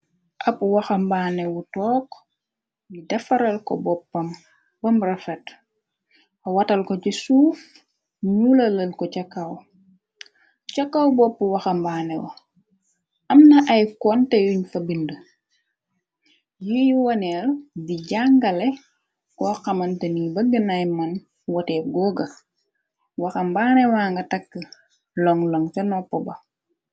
Ab waxa mbaane wu took nu defaral ko boppam bambarafet watal ko ci suuf nulalal ko cakaw cakaw bopp waxa mbaanewa amna ay konte yuñ fa bindi yiy woneer di jàngale ko xamante ni ba gënaay mën wotee góoga waxa mbaanewanga takke loŋ loŋ ca noppo ba.